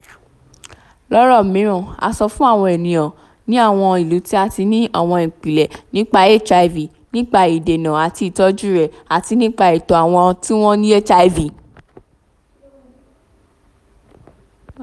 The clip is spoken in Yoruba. Lórọ̀ mìíràn a sọ fún àwọn ènìyàn ní àwọn ìlú tí a ti ní àwọn ìpìlẹ̀ nípa HIV, nípa ìdènà àti ìtọ́jú rẹ̀ àti nípa ẹ̀tọ́ àwọn tí wọ́n ní HIV.